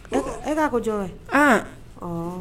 E k'a E k'a ko jɔn ye, an, ɔɔ